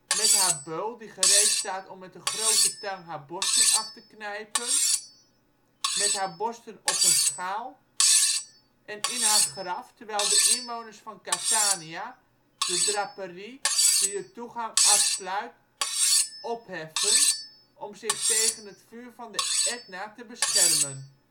met haar beul die gereed staat om met een grote tang haar borsten af te knijpen met haar borsten op een schaal in haar graf, terwijl de inwoners van Catania de draperie die de toegang afsluit opheffen om zich tegen het vuur van de Etna te beschermen